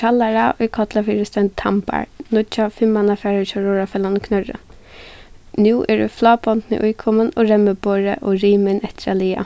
í kollafirði stendur tambar nýggja fimmmannafarið hjá róðrarfelagnum knørri nú eru flábondini íkomin og remmuborðið og rimin eftir at laða